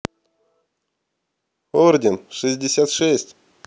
орден шестьдесят шесть